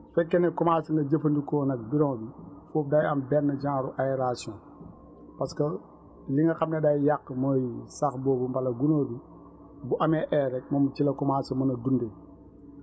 su fekkee ne commencé na jëfanfikoo nag bidon bi foofu day am benn genre aération parce que li nga xam ne day yàq mooy sax boobu mbala gunóor yi bu amee air rekk moom ci la commencé mën a dundee